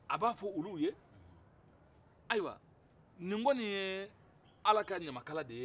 a b'a f'olu ye ayiwa nin kɔni ye ala ka ɲamakala de ye